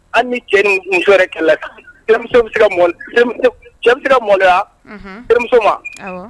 An ni cɛ ni wɛrɛ kɛlɛ cɛ se ka mɔyamuso ma